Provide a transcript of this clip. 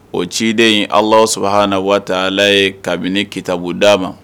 O ciden in allah subahanahu wa taala ye kabini kitabu d'a ma.